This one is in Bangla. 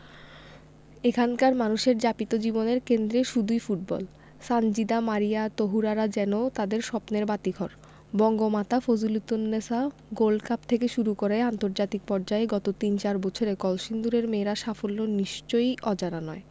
এখানকার মানুষের যাপিত জীবনের কেন্দ্রে শুধুই ফুটবল সানজিদা মারিয়া তহুরারা যেন তাদের স্বপ্নের বাতিঘর বঙ্গমাতা ফজিলাতুন্নেছা গোল্ড কাপ থেকে শুরু করে আন্তর্জাতিক পর্যায়ে গত তিন চার বছরে কলসিন্দুরের মেয়েদের সাফল্য নিশ্চয়ই অজানা নয়